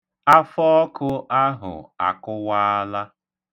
Afọọkụ ahụ akụwaala.